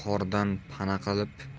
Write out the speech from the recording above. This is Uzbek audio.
qordan pana qilib